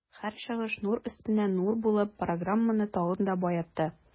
Һәр чыгыш нур өстенә нур булып, программаны тагын да баетты.